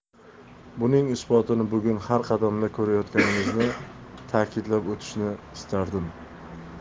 buning isbotini bugun har qadamda ko'rayotganimizni ta'kidlab o'tishni istardim